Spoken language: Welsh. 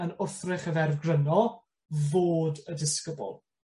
yn wthrych y ferf gryno, fod y disgybl